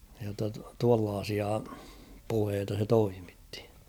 jotta tuollaisia puheita se toimitti